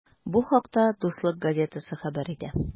Бу хакта “Дуслык” газетасы хәбәр итә.